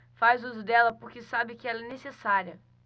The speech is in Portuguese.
faz uso dela porque sabe que ela é necessária